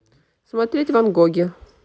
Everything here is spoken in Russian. смотреть ван гоги